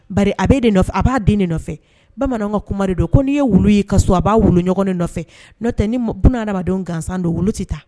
Bari a bɛ de nɔf a b'a den de nɔfɛ, bamananw ka kuma de don ko n'i ye wulu ye i ka so a b'a wuluɲɔgɔn de nɔfɛ n'o tɛ ni bunahadamadenw gansan don wulu tɛ taa